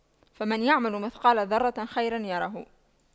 فَمَن يَعمَل مِثقَالَ ذَرَّةٍ خَيرًا يَرَهُ